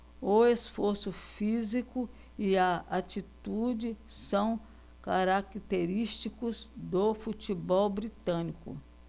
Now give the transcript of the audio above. o esforço físico e a atitude são característicos do futebol britânico